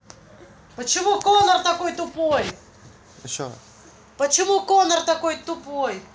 почему коннор такой тупой youtube